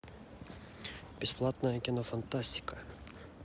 бесплатное кино фантастика